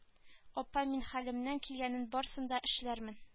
Апа мин хәлемнән килгәннең барысын да эшләрмен